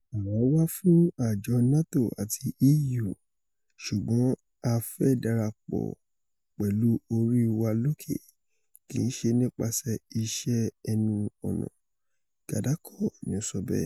Àwa wà fún àjọ NATO àti EU, ṣugbọn a fẹ́ darapọ̀ pẹ̀lú orí wa lókè, kìí ṣe nípaṣẹ̀ iṣe ẹnu ọ̀nạ̀́'' Kadarkov ni o so bẹẹ̣́ ̣.